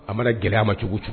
A mana gɛlɛya ma cogo cogo